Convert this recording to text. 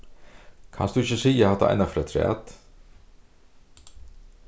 kanst tú ikki siga hatta eina ferð afturat